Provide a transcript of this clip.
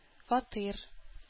Фатир